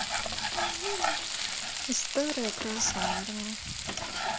история красной армии